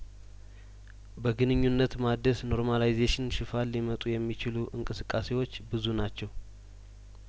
በግንኙነት ማደስ ኖርማላይዜሽን ሽፋን ሊመጡ የሚችሉ እንቅስቃሴዎች ብዙ ናቸው